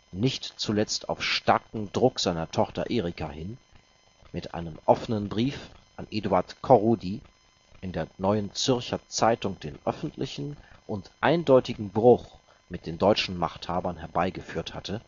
nicht zuletzt auf starken Druck seiner Tochter Erika hin, mit einem Offenen Brief an Eduard Korrodi in der Neuen Zürcher Zeitung den öffentlichen und eindeutigen Bruch mit den deutschen Machthabern herbeigeführt hatte